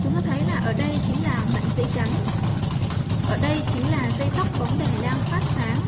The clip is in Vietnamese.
chú có thấy là ở đây chính là mạng sẽ trắng ở đây chính là dây tóc bóng đèn đang phát sáng